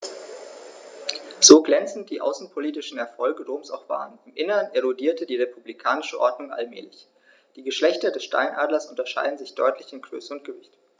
So glänzend die außenpolitischen Erfolge Roms auch waren: Im Inneren erodierte die republikanische Ordnung allmählich. Die Geschlechter des Steinadlers unterscheiden sich deutlich in Größe und Gewicht.